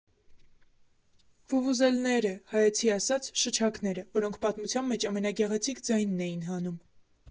Վուվուզելնե՜րը (հայեցի ասած՝ շչակները), որոնք պատմության մեջ ամենագեղեցիկ ձայնն էին հանում։